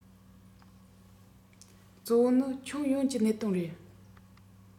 གཙོ བོ ནི ཁྱོན ཡོངས ཀྱི གནད དོན ཡིན